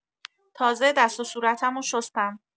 تازه دست و صورتمو شستم.